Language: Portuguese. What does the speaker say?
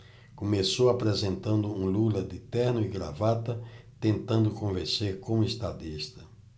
começou apresentando um lula de terno e gravata tentando convencer como estadista